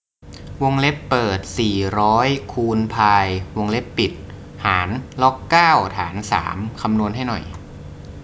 วงเล็บเปิดสี่ร้อยคูณพายวงเล็บปิดหารล็อกเก้าฐานสามคำนวณให้หน่อย